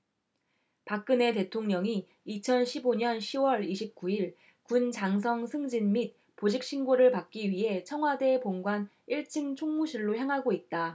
박근혜 대통령이 이천 십 오 년 시 월 이십 구 일 군 장성 승진 및 보직신고를 받기 위해 청와대 본관 일 층 충무실로 향하고 있다